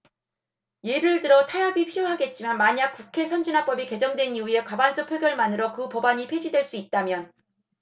예를 들어 타협이 필요하겠지만 만약 국회선진화법이 개정된 이후에 과반수 표결만으로 그 법안이 폐지될 수 있다면